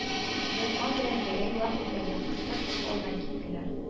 Гыйльман белән Гәрәй, лампа белән яктыртып, алдан киттеләр